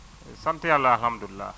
sant yàlla alhamdulilah